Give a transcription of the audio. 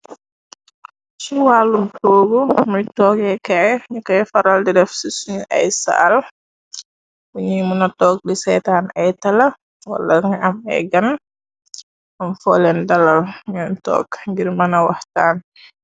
Ci wàllum toog muy toogekaay ñu koy faral di def ci sunu ay saal. Buñuy muna toog di saytaan ay tala wala nga am ay gan. Am fooleen dalal ñoon tokg ngir mëna waxtaan.